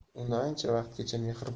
uni ancha vaqtgacha